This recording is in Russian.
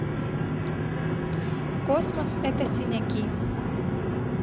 космос это синяки